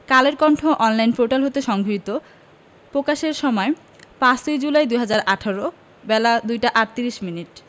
কালের কন্ঠের online portal হতে সংগৃহীত প্রকাশের সময় ৫ জুলাই ২০১৮ বেলা ২টা ৩৮ মিনিট